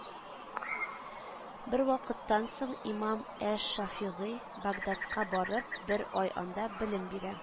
Бервакыттан соң имам әш-Шәфигый, Багдадка барып, бер ай анда белем бирә